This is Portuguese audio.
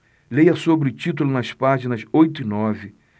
leia sobre o título nas páginas oito e nove